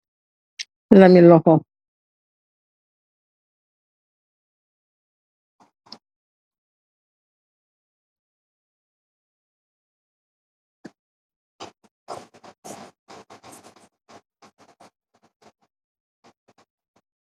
Lami lukho gigeen yi nyuko de jeffeh ndekoh lam bi bu rafet la suko takeh dafai refetal lukhu.